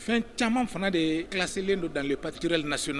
Fɛn caman fana de ye kisilen don dalen patitirirel naso na